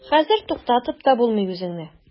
Хәзер туктатып та булмый үзеңне.